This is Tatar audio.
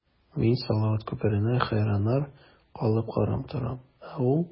Мин салават күперенә хәйраннар калып карап торам, ә ул...